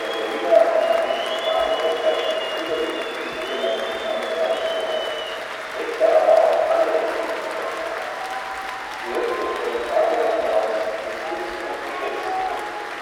Berliner nahm sich im Rahmen der Zeitschrift überwiegend die sogenannten Jump’ n’ Runs vor, deckte aber auch andere Themenbereiche ab. Dirk betreute darüber hinaus die „ Tipps & Tricks “- Rubrik